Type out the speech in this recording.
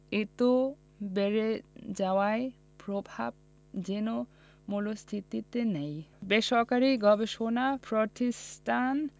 এত বেড়ে যাওয়ার প্রভাব যেন মূল্যস্ফীতিতে নেই বেসরকারি গবেষণা প্রতিষ্ঠান